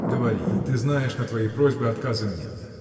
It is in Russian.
– Говори: ты знаешь, на твои просьбы отказа нет.